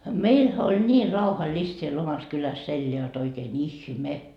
meillähän oli niin rauhallista siellä omassa kylässä elää jotta oikein ihme